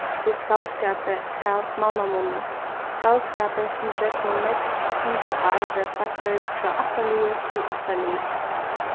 við skaldskapi av mannamunni skaldskapi sum gjøgnum nógv hundrað ár varð sagdur frá ættarliði til ættarlið